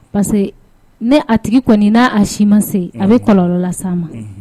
Pas ke ni a tigi kɔni n'a a si ma se a bɛ kɔlɔlɔ la se a ma.